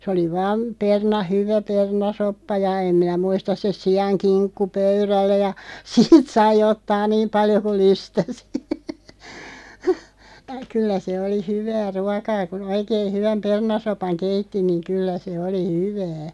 se oli vain - hyvä perunasoppa ja en minä muista se siankinkku pöydällä ja siitä sai ottaa niin paljon kuin lystäsi kyllä se oli hyvää ruokaa kun oikein hyvän perunasopan keitti niin kyllä se oli hyvää